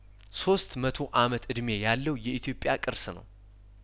ሶስት መቶ አመት እድሜ ያለው የኢትዮጵያ ቅርስ ነው